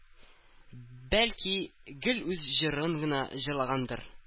Бәлки, гел үз җырын гына җырлагандыр